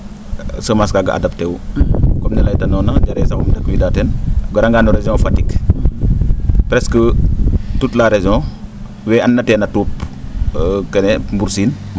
semence kaaga adapter u comme ne laytanoona jare sax um dakwiida teen o garanga no region Fatick presque toute la région wee an na teena tuup kene mbursiin